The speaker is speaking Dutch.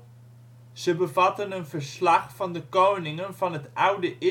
Ze bevatten een verslag van de koningen van het oude